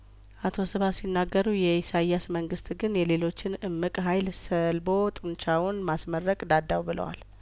አቶ ስብሀት ሲናገሩ የኢሳያስ መንግስት ግን የሌሎችን እምቅ ሀይል ሰልቦ ጡንቻውን ማስ መረቅ ዳዳው ብለዋል